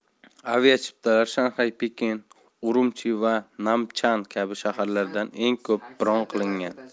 avichiptalar shanxay pekin urumchi va nanchan kabi shaharlardan eng ko'p bron qilingan